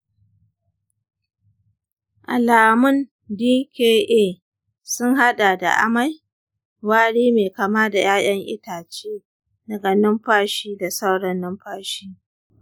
alamun dka sun haɗa da amai, wari mai kama da ƴaƴan itace daga numfashi da saurin numfashi.